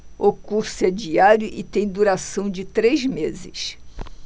o curso é diário e tem duração de três meses